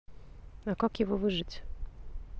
а как его выжить